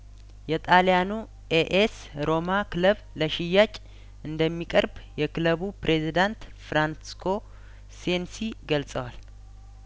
የጣሊያኑ ኤኤ ስሮማ ክለብ ለሽያጭ እንደሚቀርብ የክለቡ ፕሬዚዳንት ፍራንስ ኮ ሴን ሲገልጸዋል